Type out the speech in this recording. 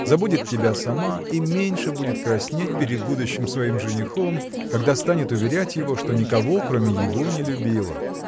забудет тебя сама и меньше будет краснеть перед будущим своим женихом когда станет уверять его что никого кроме его не любила.